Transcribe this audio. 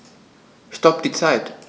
Stopp die Zeit